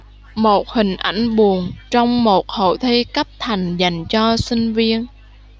một hình ảnh buồn trong một hội thi cấp thành dành cho sinh viên